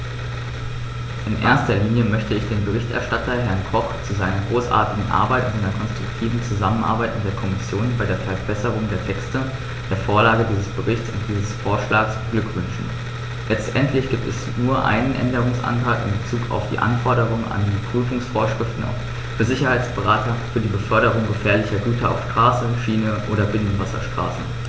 In erster Linie möchte ich den Berichterstatter, Herrn Koch, zu seiner großartigen Arbeit und seiner konstruktiven Zusammenarbeit mit der Kommission bei der Verbesserung der Texte, der Vorlage dieses Berichts und dieses Vorschlags beglückwünschen; letztendlich gibt es nur einen Änderungsantrag in bezug auf die Anforderungen an die Prüfungsvorschriften für Sicherheitsberater für die Beförderung gefährlicher Güter auf Straße, Schiene oder Binnenwasserstraßen.